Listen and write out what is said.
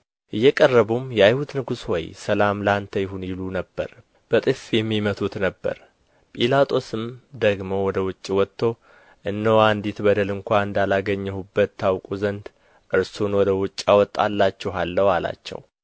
እየቀረቡም የአይሁድ ንጉሥ ሆይ ሰላም ለአንተ ይሁን ይሉት ነበር በጥፊም ይመቱት ነበር ጲላጦስም ደግሞ ወደ ውጭ ወጥቶ እነሆ አንዲት በደል ስንኳ እንዳላገኘሁበት ታውቁ ዘንድ እርሱን ወደ ውጭ አወጣላችኋለሁ አላቸው